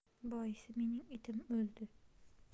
boisi mening itim o'ldi